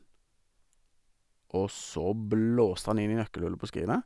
Og så blåste han inn i nøkkelhullet på skrinet.